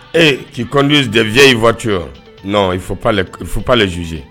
Eux qui conduisent des vieilles voitures, non il faut pas les k il faut pas les juger